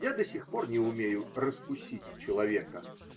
Я до сих пор не умею "раскусить" человека.